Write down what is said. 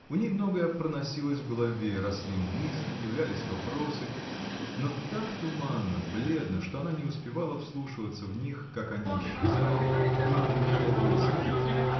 У ней многое проносилось в голове, росли мысли, являлись вопросы, но так туманно, бледно, что она не успевала вслушиваться в них, как они исчезали, и не умела высказать.